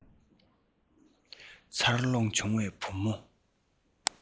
འཚར ལོངས བྱུང བའི བུ མོ